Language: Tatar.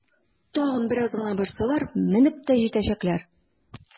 Тагын бераз гына барсалар, менеп тә җитәчәкләр!